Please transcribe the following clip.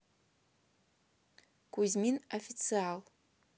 кузьмин официал